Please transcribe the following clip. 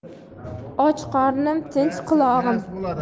och qornim tinch qulog'im